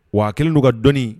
Wa kelen' ka dɔɔnin